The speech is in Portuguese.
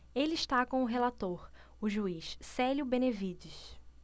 ele está com o relator o juiz célio benevides